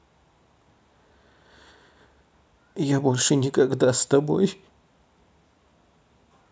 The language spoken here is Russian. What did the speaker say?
я больше никогда с тобой